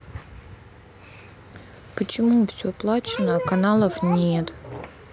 почему все оплачено а каналов нет